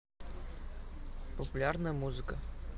популярная музыка